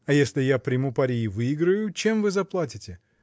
— А если я приму пари и выиграю, чем вы заплатите?